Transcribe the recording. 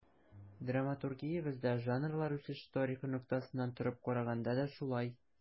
Драматургиябездә жанрлар үсеше тарихы ноктасынан торып караганда да шулай.